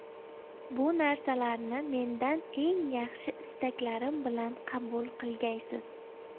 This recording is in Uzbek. bu narsani mendan eng yaxshi istaklarim bilan qabul qilgaysiz